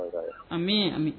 Ami amiina ami